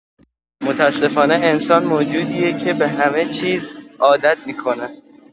متاسفانه انسان موجودیه که به همه چیز عادت می‌کنه.